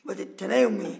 sabu tana ye mun ye